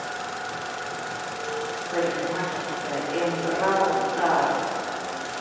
парикмахерская эм бравл старс